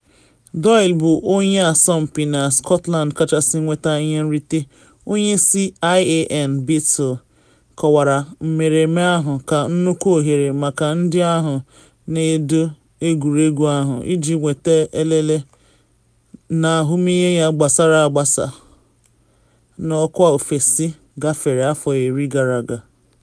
Doyle bụ onye asọmpi nke Scotland kachasị nweta ihe nrite, onye isi Ian Beattle kọwara mmereme ahụ ka nnukwu ohere maka ndị ahụ na edu egwuregwu ahụ iji nwete elele n’ahụmịhe ya gbasara agbasa n’ọkwa ofesi gafere afọ iri gara aga.